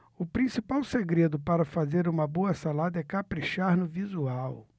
o principal segredo para fazer uma boa salada é caprichar no visual